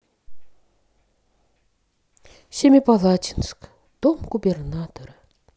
семипалатинск дом губернатора